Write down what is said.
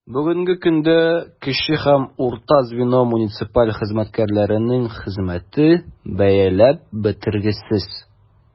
Бүгенге көндә кече һәм урта звено муниципаль хезмәткәрләренең хезмәте бәяләп бетергесез.